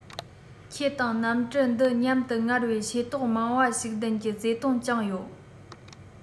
ཁྱེད དང གནམ གྲུ འདི མཉམ དུ སྔར བས ཤེས རྟོག མང བ ཞིག ལྡན གྱི བརྩེ དུང བཅངས ཡོད